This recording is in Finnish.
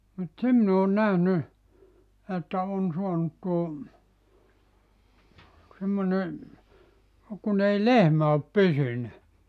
mutta sen minä olen nähnyt että on saanut tuo semmoinen kun ei lehmä ole pysynyt